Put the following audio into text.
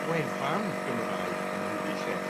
gwefan Gymraeg yn haeddu lle.